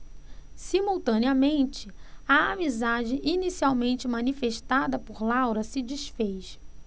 simultaneamente a amizade inicialmente manifestada por laura se disfez